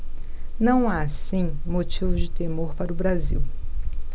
não há assim motivo de temor para o brasil